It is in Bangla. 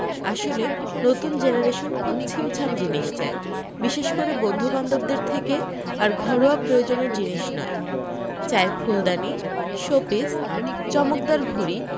আসলে নতুন জেনারেশন খুব ছিমছাম জিনিস চায় বিশেষ করে বন্ধুবান্ধবদের থেকে আর ঘরোয়া প্রয়োজনের জিনিস নয় চায় ফূলদানি শো পিস চমকদার ঘড়ি